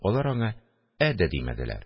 Алар аңа «ә» дә димәделәр